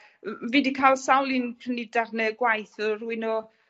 m- m- fi 'di ca'l sawl pyrnu darne o gwaith yy rhywun o